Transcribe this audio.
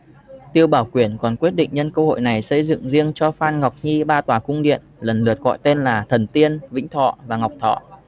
tiêu bảo quyển còn quyết định nhân cơ hội này xây dựng riêng cho phan ngọc nhi ba tòa cung điện lần lượt gọi tên là thần tiên vĩnh thọ và ngọc thọ